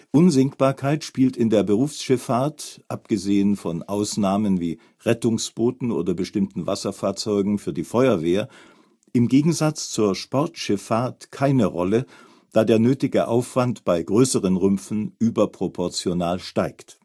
Unsinkbarkeit spielt in der Berufsschifffahrt (abgesehen von Ausnahmen wie Rettungsbooten oder bestimmten Wasserfahrzeugen für die Feuerwehr) im Gegensatz zur Sportschifffahrt keine Rolle, da der nötige Aufwand bei größeren Rümpfen überproportional steigt